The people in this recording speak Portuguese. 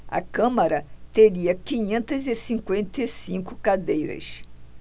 a câmara teria quinhentas e cinquenta e cinco cadeiras